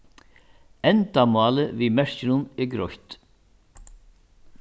endamálið við merkinum er greitt